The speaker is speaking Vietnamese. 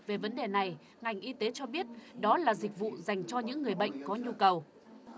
về vấn đề này ngành y tế cho biết đó là dịch vụ dành cho những người bệnh có nhu cầu